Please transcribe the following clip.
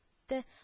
Те